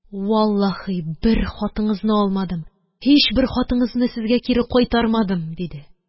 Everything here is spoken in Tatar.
Валлаһи, бер хатыңызны алмадым, һичбер хатыңызны сезгә кире кайтармадым, – диде.